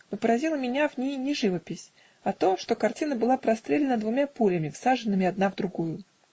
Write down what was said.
но поразила меня в ней не живопись, а то, что картина была прострелена двумя пулями, всаженными одна на другую.